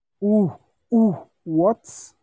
Uh, uh, what.